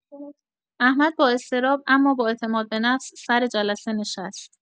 احمد با اضطراب اما با اعتمادبه‌نفس سر جلسه نشست.